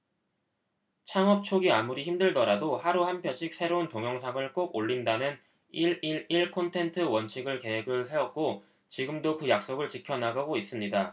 창업 초기 아무리 힘들더라도 하루 한 편씩 새로운 동영상을 꼭 올린다는 일 일 일 콘텐트 원칙을 세웠고 지금도 그 약속을 지켜나가고 있습니다